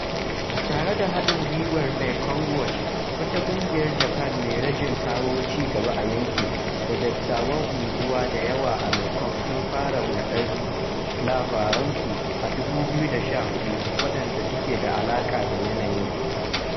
Tare da haɗin guiwar Mekong Watch, wata ƙungiyar Japan mai rajin kawo cigaba a yankin, da dattawan unguwa da yawa a Mekong sun fara naɗar labaransu a 2014 waɗanda suke da alaƙa da yanayi.